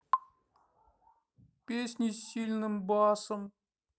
песни с сильным басом